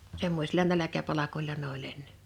semmoisilla nälkäpalkoilla ne oli ennen